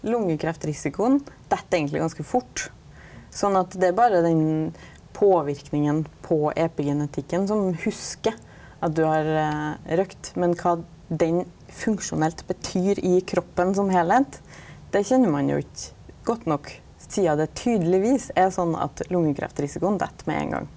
lungekreftrisikoen dett eigentleg ganske fort, sånn at det er berre den påverkinga på epigenetikken som hugsar at du har røykt, men kva den funksjonelt betyr i kroppen som heilskap det kjenner ein jo ikkje godt nok sia det tydelegvis er sånn at lungekreftrisikoen dett med ein gong.